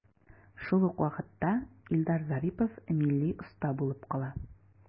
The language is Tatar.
Шул ук вакытта Илдар Зарипов милли оста булып кала.